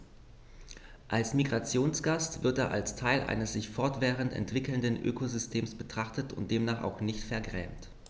Als Migrationsgast wird er als Teil eines sich fortwährend entwickelnden Ökosystems betrachtet und demnach auch nicht vergrämt.